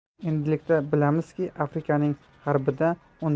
endilikda bilamizki afrikaning g'arbida undan